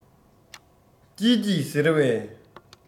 སྐྱིད སྐྱིད ཟེར བས